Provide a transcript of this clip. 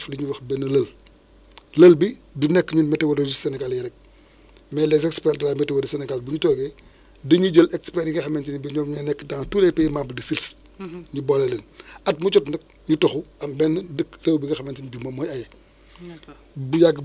loolu dèjà si DTP bi dèjà ñiy fay jëlee dèjà ñoom dañuy mun a sensibiliser suñu yeneen mbokku béykat yi ci wàllu kii yu nga xam ne quand même loolu mun na nekk parce que si GTP bi c' est très technique ah dañuy waxtaan waxtaan yu am xarale